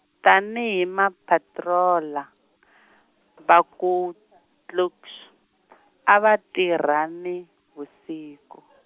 tani hi ma patroller , va ku, Klux a va tirha ni, vusiku .